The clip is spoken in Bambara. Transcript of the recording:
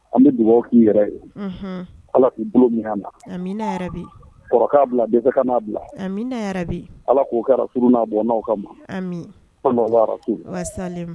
An bɛ dugawu k'i yɛrɛ ye ala k'u bolo min na yɛrɛ kɔrɔkɛ bila dɛsɛ ka'a bila yɛrɛ ala k'o kɛraurun n'a bɔaw ka an